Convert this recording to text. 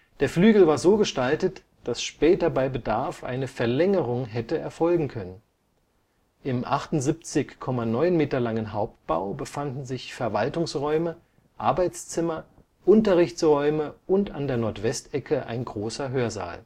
Der Flügel war so gestaltet, dass später bei Bedarf eine Verlängerung hätte erfolgen können. Im 78,9 Meter langen Hauptbau befanden sich Verwaltungsräume, Arbeitszimmer, Unterrichtsräume und an der Nordwestecke ein großer Hörsaal